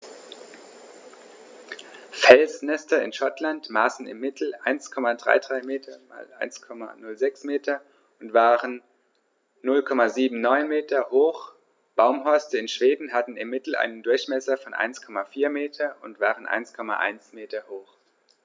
Felsnester in Schottland maßen im Mittel 1,33 m x 1,06 m und waren 0,79 m hoch, Baumhorste in Schweden hatten im Mittel einen Durchmesser von 1,4 m und waren 1,1 m hoch.